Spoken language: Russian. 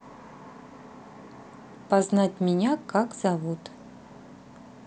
познать меня как зовут